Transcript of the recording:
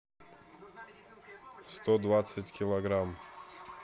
сто двадцать килограмм